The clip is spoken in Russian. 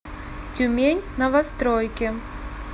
тюмень новостройки